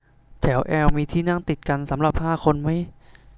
แถวแอลมีที่นั่งติดกันสำหรับห้าคนมั้ย